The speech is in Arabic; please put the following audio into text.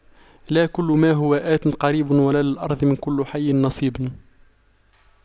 ألا كل ما هو آت قريب وللأرض من كل حي نصيب